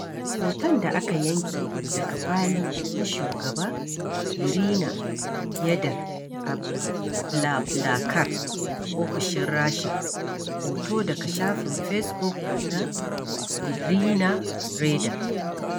Hoton da aka yanke daga kwali na shugaba Iirina Reyder a BlaBlaCar ofishin Rasha. Hoto daga shafin Fesbuk na Irina Reyder.